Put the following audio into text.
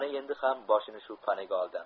endi ham boshini shu panaga oldi